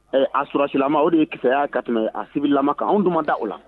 Ɛ a ssima o de ye kikisɛsɛyaa ka tɛmɛ abililama kan anw duman da o la